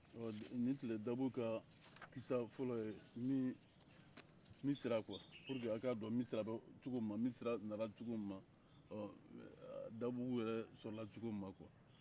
ɔ ni tun ye dabo ka kisa fɔlɔ ye misira quoi pour que a' ka dɔn misira bɛ cogo min misira nana cogo min ɔ dabobugu yɛrɛ sɔrɔla cogo min na quoi